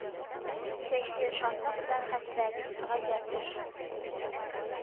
Чәче , Шатлык белән хәсрәт , Гаҗәп эш